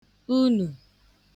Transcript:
unù